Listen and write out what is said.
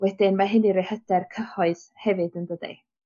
Wedyn ma' hynny roi hyd er cyhoedd hefyd yndydi?